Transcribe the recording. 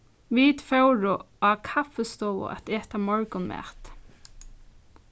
vit fóru á kaffistovu at eta morgunmat